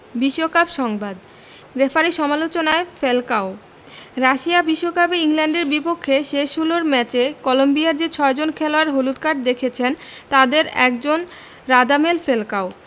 বিশ্বকাপ সংবাদ রেফারির সমালোচনায় ফ্যালকাও রাশিয়া বিশ্বকাপে ইংল্যান্ডের বিপক্ষে শেষ ষোলোর ম্যাচে কলম্বিয়ার যে ছয়জন খেলোয়াড় হলুদ কার্ড দেখেছেন তাদের একজন রাদামেল ফ্যালকাও